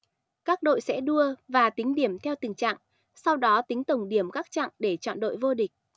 các đội sẽ đua và tính điểm theo từng chặng sau đó tính tổng điểm các chặng để chọn đội vô địch